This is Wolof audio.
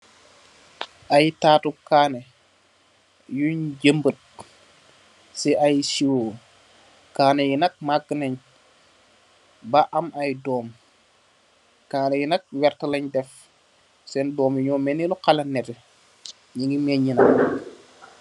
Ay tattu kanni yun jambët si ay siwo, kanni yi maga neen ba am ay doom. Kanni yi nak werta lañ dèf sèèn doomi yi ño melni lu xala netteh ñu ngi meñi nak.